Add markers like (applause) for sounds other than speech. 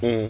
(hesitation) (hesitation)